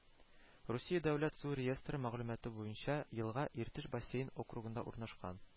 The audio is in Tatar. Русия дәүләт су реестры мәгълүматы буенча елга Иртеш бассейн округында урнашкан